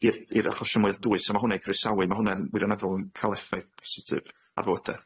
i'r i'r achosion mwyaf dwys, a ma' hwnne i croesawu. Ma' hwnna'n wirioneddol yn ca'l effaith positif ar fywyde.